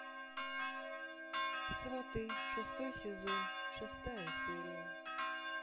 сваты шестой сезон шестая серия